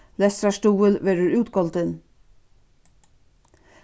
lestrarstuðul verður útgoldin